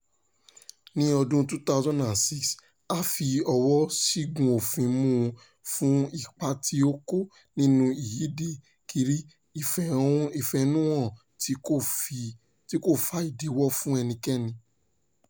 Ní ọdún 2006, a fi ọwọ́ọ ṣìgún òfin mú u fún ipa tí ó kó nínú ìyíde kiri ìfẹ̀hànnúhàn tí kò fa ìdíwọ́ fún ẹnikẹ́ni.